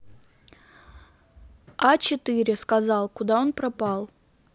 а четыре сказал куда он пропал